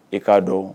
E k'a dɔn